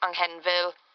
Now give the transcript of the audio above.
anghenfil.